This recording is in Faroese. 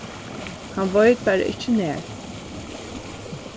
hann veit bara ikki nær